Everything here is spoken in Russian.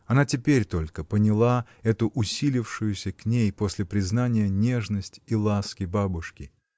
Она теперь только поняла эту усилившуюся к ней, после признания, нежность и ласки бабушки.